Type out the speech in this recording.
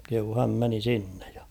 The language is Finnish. kehui hän meni sinne ja